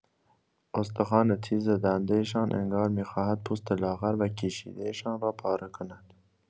استخوان تیز دنده‌شان انگار می‌خواهد پوست لاغر و کشیده‌شان را پاره کند.